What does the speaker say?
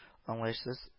Аңлаешсыз ө